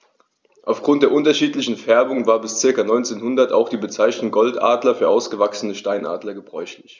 Auf Grund der unterschiedlichen Färbung war bis ca. 1900 auch die Bezeichnung Goldadler für ausgewachsene Steinadler gebräuchlich.